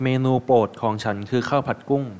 เมนูโปรดของฉันคือข้าวผัดกุ้ง